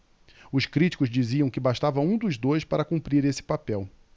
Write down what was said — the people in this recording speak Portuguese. os críticos diziam que bastava um dos dois para cumprir esse papel